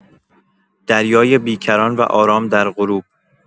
دریای بی‌کران و آرام در غروب